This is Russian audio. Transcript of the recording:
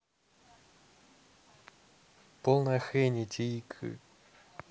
полная хрень эти игры